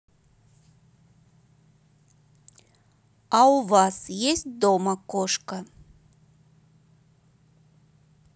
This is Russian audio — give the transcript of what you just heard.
а у вас есть дома кошка